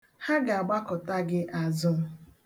Ha ga-agbakụta gị azụ.